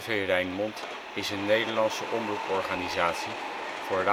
Rijnmond is een Nederlandse omroeporganisatie voor